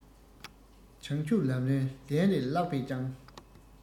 བྱང ཆུབ ལམ རིམ ལན རེ བཀླགས པས ཀྱང